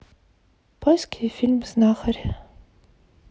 польский фильм знахарь